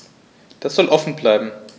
Das soll offen bleiben.